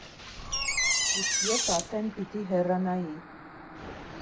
Իսկ ես արդեն պիտի հեռանայի։